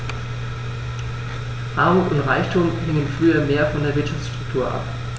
Armut und Reichtum hingen früher mehr von der Wirtschaftsstruktur ab.